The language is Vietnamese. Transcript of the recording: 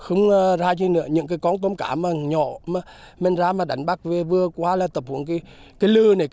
không ra gì nữa những cái con tôm cá mà nhỏ mà mình ra mà đánh bắt vừa qua là tập huấn cái lưới này